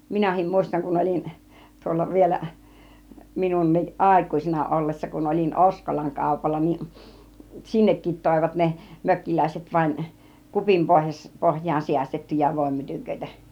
minäkin muistan kun olin tuolla vielä minunkin aikuisena ollessa kun olin Oskolan kaupalla niin sinnekin toivat ne mökkiläiset vain kupin - pohjaan säästettyjä voinmytyköitä